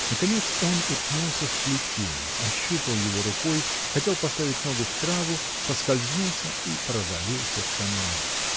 Наконец он уткнулся в плетень, ощупал его рукой, хотел поставить ногу в траву — поскользнулся и провалился в канаву.